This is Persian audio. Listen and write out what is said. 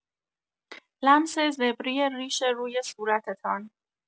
لمس زبری ریش روی صورتتان